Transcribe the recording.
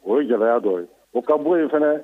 O ye ja dɔ ye o ka bɔ yen fana